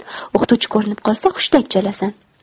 o'qituvchi ko'rinib qolsa hushtak chalasan